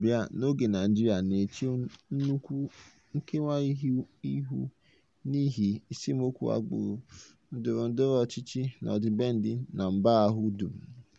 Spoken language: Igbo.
Nke a na-abịa n'oge Naịjirịa na-eche nnukwu nkewa ihu n'ihi esemokwu agbụrụ, ndọrọndọrọ ọchịchị na ọdịbendị na mba ahụ dum.